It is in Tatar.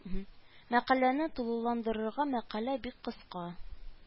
Мәкаләне тулыландырырга мәкалә бик кыска